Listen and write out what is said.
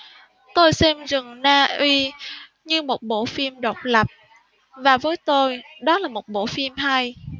tôi xem rừng nauy như một bộ phim độc lập và với tôi đó là một bộ phim hay